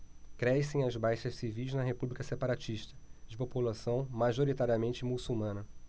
crescem as baixas civis na república separatista de população majoritariamente muçulmana